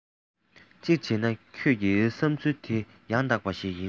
གཅིག བྱས ན ཁྱོད ཀྱི བསམས ཚུལ དེ ཡང དག པ ཞིག ཡིན སྲིད